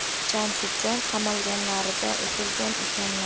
jamshidjon qamalganlarida uzilgan ekanlar